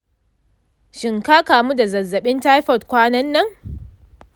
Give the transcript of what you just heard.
shin ka kamu da zazzabin taifod kwanan nan?